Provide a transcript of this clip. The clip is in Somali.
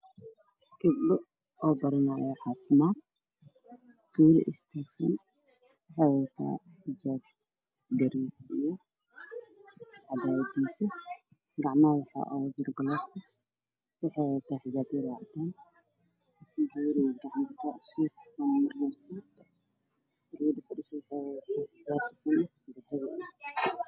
Gabdho oo baranaayo caafimaad oo wali istaagsan waxay wadataa xijaab bariig ah iyo cabaayadiisa gacmaha waxa ugu jira galoofis wax wadataa xijaab yaroo cadan ah waxy gacanta ku hysaa suuf gabdha fadhisana waxay wadataa xijaab yaroo dahabi ah